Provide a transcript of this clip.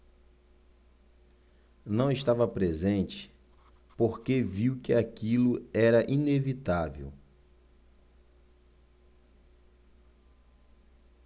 não estava presente porque viu que aquilo era inevitável